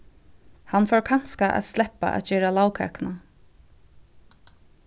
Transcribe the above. hann fór kanska at sleppa at gera lagkakuna